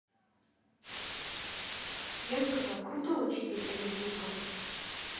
я сказал крутой учитель онидзука